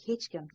hech kim